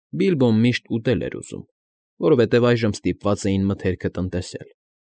Բիլբոն միշտ ուտել էր ուզում, որովհետև այժմ ստիպված էին մթերքը տնտեսել։